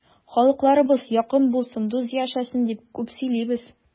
Халыкларыбыз якын булсын, дус яшәсен дип күп сөйлибез.